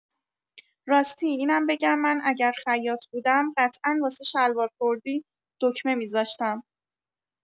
راستی اینم بگم من اگر خیاط بودم قطعا واسه شلوار کردی دکمه می‌زاشتم!